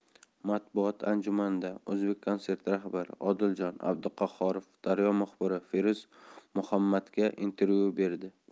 matbuot anjumanida o'zbekkonsert rahbari odiljon abduqahhorov daryo muxbiri feruz muhammadga intervyu berdi